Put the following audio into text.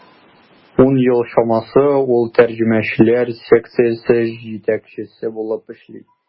Ун ел чамасы ул тәрҗемәчеләр секциясе җитәкчесе булып эшли.